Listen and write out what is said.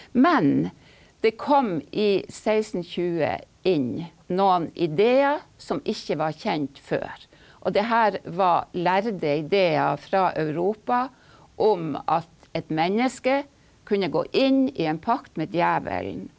men det kom i 1620 inn noen ideer som ikke var kjent før, og det her var lærde ideer fra Europa om at et menneske kunne gå inn i en pakt med djevelen.